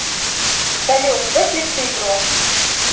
салют выключить игру